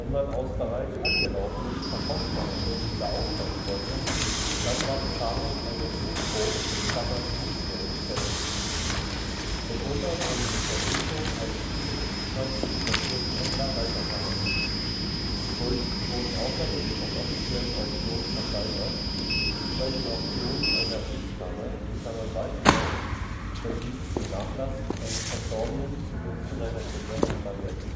man aus bereits angelaufenen Verkaufsverhandlungen wieder aussteigen wollte, dann war die Zahlung eines rouwkoop (Bußgeld) fällig. Mitunter wurde die Verpflichtung, eine Zwiebel zu liefern, über Zwischenhändler weiterverhandelt. Tulpen wurden außerdem auf offiziellen Auktionen versteigert, wie bei den Auktionen einer Weeskamer (Waisenhaus), wenn diese den Nachlass eines Verstorbenen zu Gunsten seiner Kinder versteigerte